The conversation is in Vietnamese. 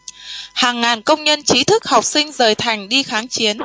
hàng ngàn công nhân trí thức học sinh rời thành đi kháng chiến